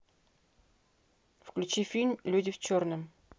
включи фильм люди в черном